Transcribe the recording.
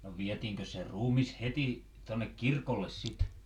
no vietiinkö se ruumis heti tuonne kirkolle sitten